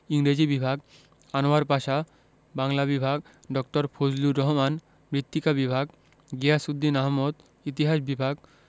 ইংরেজি বিভাগ আনোয়ার পাশা বাংলা বিভাগ ড. ফজলুর রহমান মৃত্তিকা বিভাগ গিয়াসউদ্দিন আহমদ ইতিহাস বিভাগ